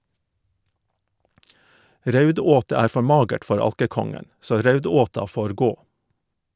Raudåte er for magert for alkekongen, så raudåta får gå.